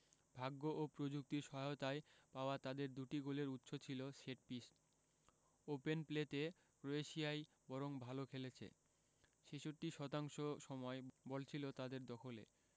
ভাগ্য ও প্রযুক্তির সহায়তায় পাওয়া তাদের দুটি গোলের উৎস ছিল সেটপিস ওপেন প্লেতে ক্রোয়েশিয়াই বরং ভালো খেলেছে ৬৬ শতাংশ সময় বল ছিল তাদের দখলে